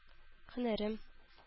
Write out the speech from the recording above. Һөнәрем